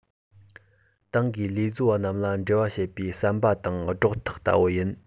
ཏང གིས ལས བཟོ པ རྣམས ལ འབྲེལ བ བྱེད པའི ཟམ པ དང སྒྲོག ཐག ལྟ བུ ཡིན